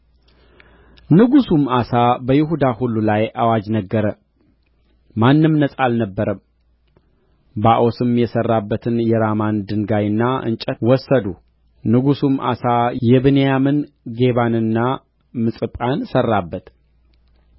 ንጉሡም አሳ የብንያምን ጌባንና ምጽጳን ሠራበት